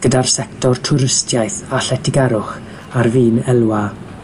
gyda'r sector twristiaeth a lletygarwch ar fin elwa